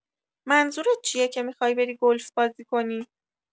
منظورت چیه که می‌خوای بری گلف بازی کنی؟